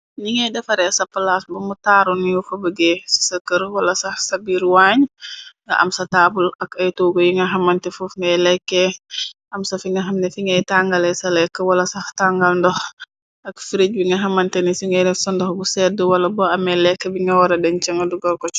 Ñi ngay defaree sa palaas bamu taaru niwu fobigee sa kër, wala sax sabiiruwaañ, nga am sa taabul ak aytoogu yi nga xamante fuf ngay lekkee, am safi nga xamne fi ngay tangale sa lekk, wala sax tangal ndox, ak frij bi nga xamante ni, ci ngay rekk sa ndox bu sedd, wala bo amee lekk bi nga wara deñ canga dugar koc.